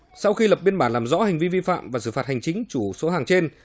sau khi lập biên bản làm rõ hành vi vi phạm và xử phạt hành chính chủ số hàng trên